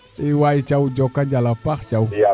i waay Thiaw njokonjal a paax Thiaw i